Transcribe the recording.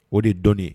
O de ye dɔn ye